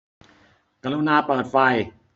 กรุณาเปิดไฟ